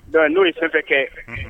Don n'o ye fɛn kɛ